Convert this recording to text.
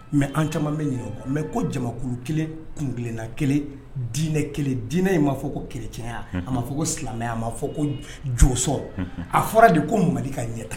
Mais an caman bɛ ɲinɛ o ko mais ko jamakulu kelen kuntilena kelen diinɛ kelen dinɛ in m'a fɔ ko chrétien ya unhun a ma fɔ ko silamɛya a ma fɔ ko j jo sɔn a fɔra de ko Mali ka ɲɛta